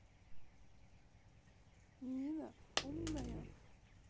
нина умная